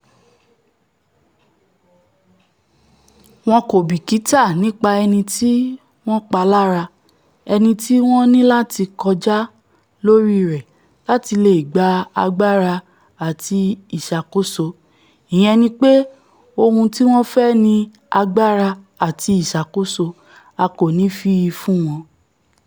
Wọn kò bìkítà nípa ẹnití wọ́n pa lára, ẹnití wọ́n nilati kọjá lórí rẹ̀ láti lee gba agbára àti ìṣàkóso, ìyẹn nípe ohun tíwọ́n fẹ́ ni agbára àti ìṣàkóso, a kò ní fi i fún wọn.